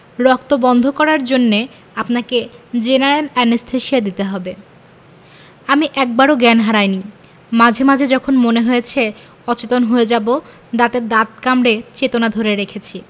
রক্ত বন্ধ করার জন্যে আপনাকে জেনারেল অ্যানেসথেসিয়া দিতে হবে আমি একবারও জ্ঞান হারাইনি মাঝে মাঝে যখন মনে হয়েছে অচেতন হয়ে যাবো দাঁতে দাঁত কামড়ে চেতনা ধরে রেখেছি